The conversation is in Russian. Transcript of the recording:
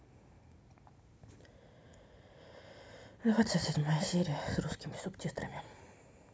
двадцать седьмая серия с русскими субтитрами